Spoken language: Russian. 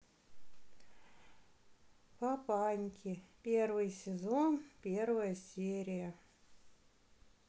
папаньки первый сезон первая серия